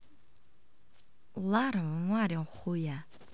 larva марио хуя